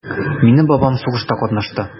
Минем бабам сугышта катнашты.